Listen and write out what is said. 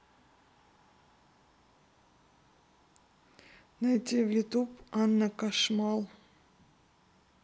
найти в ютубе анна кошмал